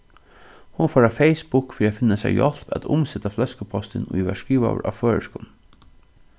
hon fór á facebook fyri at finna sær hjálp at umseta fløskupostin ið var skrivaður á føroyskum